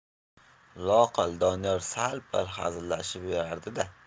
loaqal doniyor sal pal hazillashib yurardida